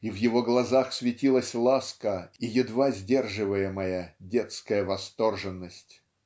и в его глазах светилась ласка и едва сдерживаемая детская восторженность.